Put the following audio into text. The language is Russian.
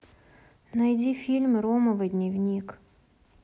найди фильм ромовый дневник